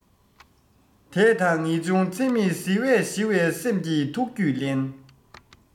དད དང ངེས འབྱུང འཚེ མེད ཟིལ བས ཞི བའི སེམས ཀྱི ཐུགས རྒྱུད བརླན